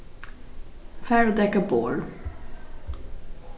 far og dekka borð